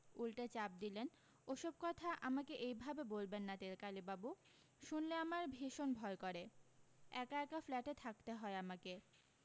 উলটে চাপ দিলেন ওসব কথা আমাকে এইভাবে বলবেন না তেলকালিবাবু শুনলে আমার ভীষণ ভয় করে একা একা ফ্ল্যাটে থাকতে হয় আমাকে